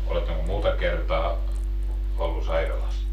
oletteko muuta kertaa ollut sairaalassa